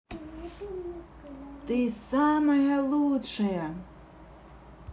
ты самая лучшая